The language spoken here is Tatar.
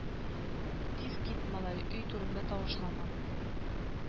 Тиз кит, малай, өй турымда тавышлама